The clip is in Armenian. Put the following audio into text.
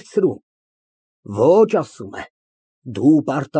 Բայց զգույշ, նրանց ապահովությունը պատվովս եմ երաշխավորել։ ԲԱԳՐԱՏ ֊ (Վիրավորված)։